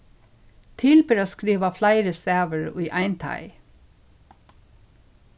til ber at skriva fleiri stavir í ein teig